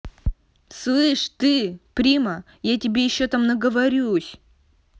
слышь ты прима я тебе еще там наговорюсь